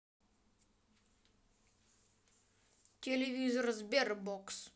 телевизоре sberbox